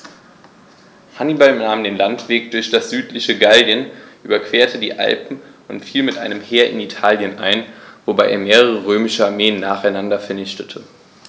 Hannibal nahm den Landweg durch das südliche Gallien, überquerte die Alpen und fiel mit einem Heer in Italien ein, wobei er mehrere römische Armeen nacheinander vernichtete.